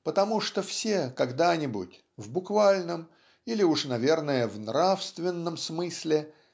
потому что все когда-нибудь в буквальном или уж наверное в нравственном смысле